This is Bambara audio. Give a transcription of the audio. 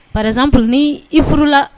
Paz pur ni i furula